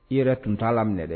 I yɛrɛ tun t'a minɛ dɛ